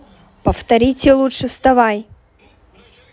повторите лучше вставай